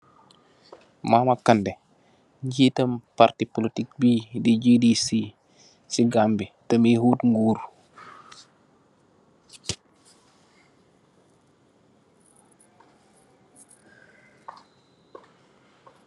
Maama Kande, njiitam parti polotik bii, di "GDC", si Gambi, të muy hut nguur.